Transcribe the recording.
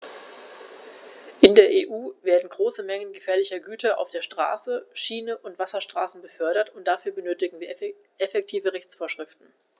In der EU werden große Mengen gefährlicher Güter auf der Straße, Schiene und Wasserstraße befördert, und dafür benötigen wir effektive Rechtsvorschriften.